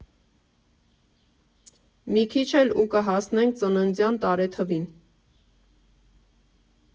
Մի քիչ էլ ու կհասնենք ծննդյան տարեթվին…